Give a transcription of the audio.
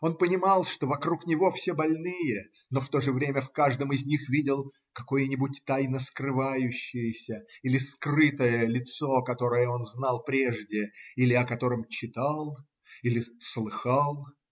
Он понимал, что вокруг него все больные, но в то же время в каждом из них видел какое-нибудь тайно скрывающееся или скрытое лицо, которое он знал прежде или о котором читал или слыхал.